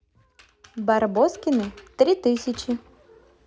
барбоскины три тысячи